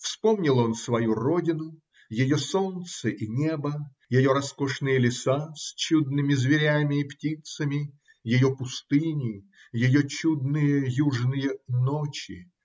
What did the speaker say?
Вспомнил он свою родину, ее солнце и небо, ее роскошные леса с чудными зверями и птицами, ее пустыни, ее чудные южные ночи.